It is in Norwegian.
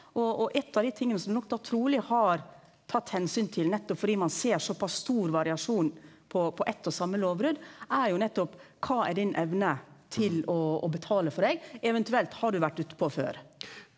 og og eit av dei tinga som nok da truleg har tatt omsyn til nettopp fordi ein ser såpass stor variasjon på på eitt og same lovbrot, er jo nettopp kva er din evne til å å betale for deg eventuelt har du vore utpå før.